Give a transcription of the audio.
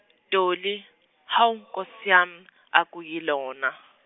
Dolly, hawu Nkosi yami akuyilona.